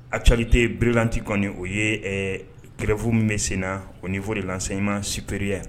Actualité brûlante kɔnni o ye ɛɛ grève min bɛ sen na au niveau de l'enseignement supérieur